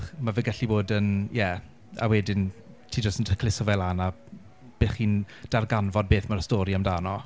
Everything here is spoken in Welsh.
Ma' fe gallu bod yn... ie a wedyn ti jyst yn tacluso fe lan a bydd chi'n darganfod beth mae'r stori amdano.